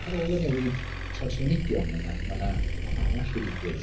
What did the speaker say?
Ar ôl y newid trawsnewidiol yna ma' 'na rywbeth arall 'di digwydd.